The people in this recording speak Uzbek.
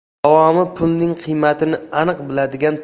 davomi pulning qiymatini aniq biladigan